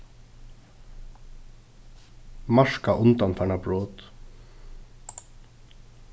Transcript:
marka undanfarna brot